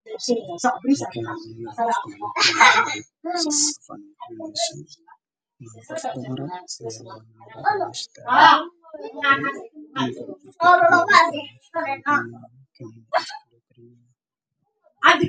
Meshan waxaa iiga muuqda wiil yar oo xanuun san waxaa la sinayaa sharoobo